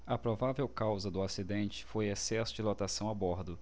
a provável causa do acidente foi excesso de lotação a bordo